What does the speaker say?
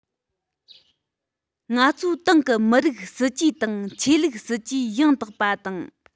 ང ཚོའི ཏང གི མི རིགས སྲིད ཇུས དང ཆོས ལུགས སྲིད ཇུས ཡང དག པ དང